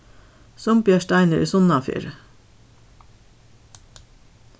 sumbiarsteinur er sunnanfyri